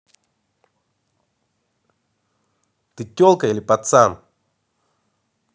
ты телка или пацан